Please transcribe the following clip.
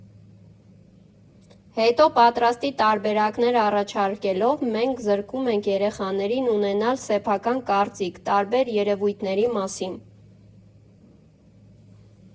Հետո, պատրաստի տարբերակներ առաջարկելով մենք զրկում ենք երեխաներին ունենալ սեփական կարծիք տարբեր երևույթների մասին։